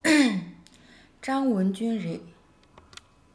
ཀྲང ཝུན ཅུན རེད